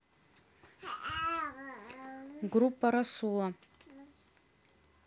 группа расула